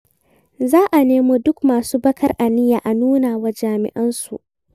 Za a nemo duk masu baƙar aniya a nunawa jama'a su.